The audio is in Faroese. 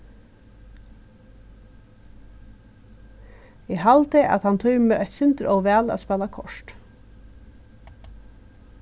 eg haldi at hann tímir eitt sindur ov væl at spæla kort